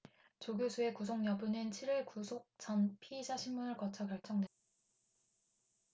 조 교수의 구속 여부는 칠 일 구속 전 피의자심문을 거쳐 결정된다